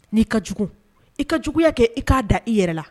N'i ka jugu i ka juguyaya kɛ i k'a da i yɛrɛ la